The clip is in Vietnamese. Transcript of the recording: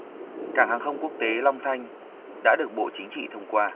cảng hàng không quốc tế long thanh đã được bộ chính trị thông qua